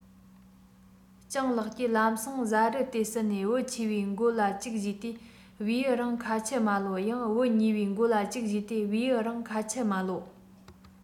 སྤྱང ལགས ཀྱིས ལམ སེང བཟའ རུ དེ ཟིན ནས བུ ཆེ བའི མགོ ལ གཅིག ཞུས ཏེ བེའུ རང ཁ ཆུ མ གློད ཡང བུ གཉིས པའི མགོ ལ གཅིག ཞུས ཏེ བེའུ རང ཁ ཆུ མ གློད